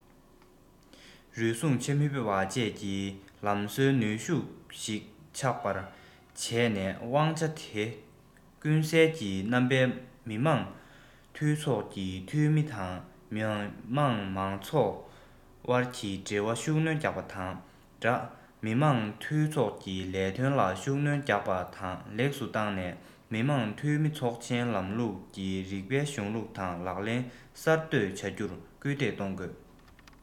རུལ སུངས བྱེད མི ཕོད པ བཅས ཀྱི ལམ སྲོལ ནུས ལྡན ཞིག ཆགས པར བྱས ནས དབང ཆ དེ ཀུན གསལ གྱི རྣམ པའི མི དམངས འཐུས ཚོགས ཀྱི འཐུས མི དང མི དམངས མང ཚོགས དབར གྱི འབྲེལ བར ཤུགས སྣོན རྒྱག པ དང སྦྲགས མི དམངས འཐུས ཚོགས ཀྱི ལས དོན ལ ཤུགས སྣོན རྒྱག པ དང ལེགས སུ བཏང ནས མི དམངས འཐུས མི ཚོགས ཆེན ལམ ལུགས ཀྱི རིགས པའི གཞུང ལུགས དང ལག ལེན གསར གཏོད བྱ རྒྱུར སྐུལ འདེད གཏོང དགོས